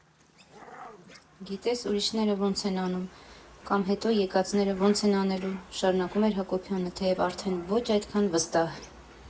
Գիտես ուրիշները ո՞նց են անում, կամ հետո եկածները ո՞նց են անելու, ֊ շարունակում էր Հակոբյանը, թեև արդեն ոչ այդքան վստահ։